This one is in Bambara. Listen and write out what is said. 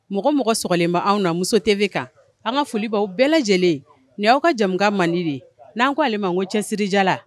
Mɔgɔ mɔgɔ sogolen bɛ anw na muso tɛ bɛ kan an ka foli baw bɛɛ lajɛlen ni aw ka jamu malidiri n'an k ko alelima ko cɛsirija la